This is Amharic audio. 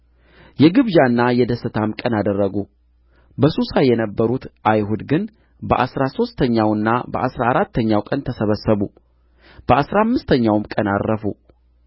ግብዣና የደስታም ቀን አደረጉ በሱሳ የነበሩት አይሁድ ግን በአሥራ ሦስተኛውና በአሥራ አራተኛው ቀን ተሰበሰቡ በአሥራ አምስተኛውም ቀን ዐረፉ